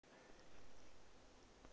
данил курников в кремле полный концерт